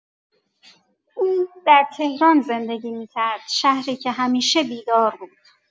او در تهران زندگی می‌کرد، شهری که همیشه بیدار بود.